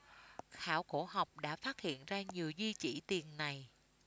khảo cổ học đã phát hiện ra nhiều di chỉ tiền này